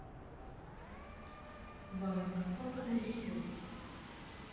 ваенга папа нарисуй